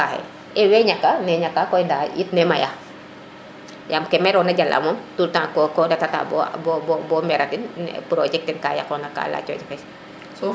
faxe i we ñaka ne ñaka koy nda it ne maya yam ke merona jala mom tout le temps ko reta ta bo bo mera tin pour o jeg teen ka yaqoox na ka yaca jafeñ